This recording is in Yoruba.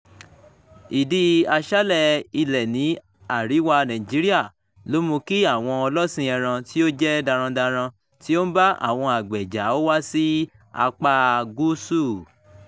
Ìdi-aṣálẹ̀-ilẹ̀ ní àríwá Nàìjíríà ló mú kí àwọn ọlọ́sìn-ẹran tí ó jẹ́ darandaran tí ó ń bá àwọn àgbẹ̀ jà ó wà sí apá gúúsù.